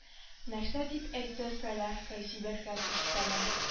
Нәрсә дип әйтте солярка сибәргә куштымы